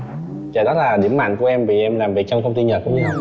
dạ đó là điểm mạnh của em vì em làm việc trong công ty nhật cũng